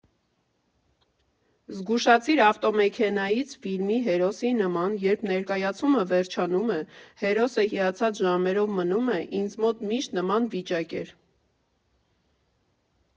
«Զգուշացիր ավտոմեքենայից» ֆիլմի հերոսի նման, երբ ներկայացումը վերջանում է, հերոսը հիացած ժամերով մնում է, ինձ մոտ միշտ նման վիճակ էր։